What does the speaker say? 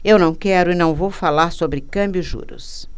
eu não quero e não vou falar sobre câmbio e juros